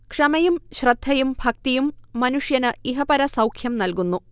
ക്ഷമയും ശ്രദ്ധയും ഭക്തിയും മനുഷ്യന് ഇഹപരസൗഖ്യം നൽകുന്നു